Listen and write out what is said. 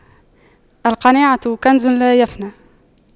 القناعة كنز لا يفنى